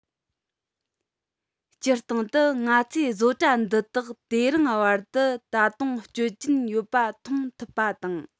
སྤྱིར བཏང དུ ང ཚོས བཟོ གྲྭ འདི དག དེ རིང བར དུ ད དུང སྤྱོད ཀྱིན ཡོད པ མཐོང ཐུབ པ དང